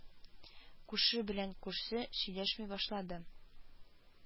Күрше белән күрше сөйләшми башлады